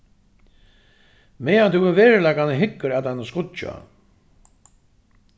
meðan tú í veruleikanum hyggur at einum skíggja